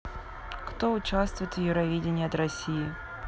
кто участвует в евровидении от россии